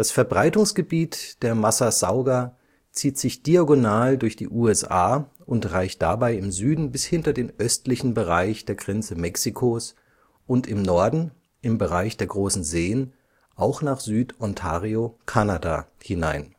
Verbreitungsgebiet der Massassauga zieht sich diagonal durch die USA und reicht dabei im Süden bis hinter den östlichen Bereich der Grenze Mexikos und im Norden, im Bereich der Großen Seen, auch nach Süd-Ontario, Kanada, hinein